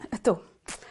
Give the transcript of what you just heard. Y- ydw.